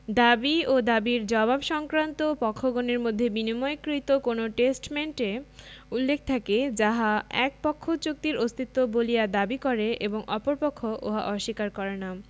দাবী ও দাবীর জবাব সংক্রান্ত পক্ষগণের মধ্যে বিনিময়কৃত কোন ষ্টেটমেন্টে উল্লেখ থাকে যাহা এক পক্ষ চুক্তির অস্তিত্ব বলিয়া দাবী করে এবং অপর পক্ষ উহা অস্বীকার করে না